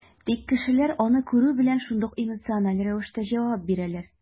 Тик кешеләр, аны күрү белән, шундук эмоциональ рәвештә җавап бирәләр.